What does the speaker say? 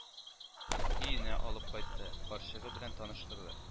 Өенә алып кайтып, карчыгы белән таныштырды